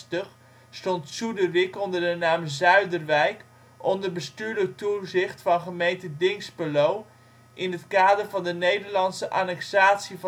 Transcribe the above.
Suderwick onder de naam Zuiderwijk onder bestuurlijk toezicht van gemeente Dinxperlo, in het kader van de Nederlandse annexatie